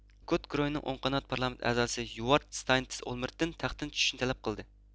لىكۇد گۇرۇھىنىڭ ئوڭ قانات پارلامېنت ئەزاسى يۇۋار ستاينىتىس ئولمېىرتتىن تەختتىن چۈشۈشنى تەلەپ قىلدى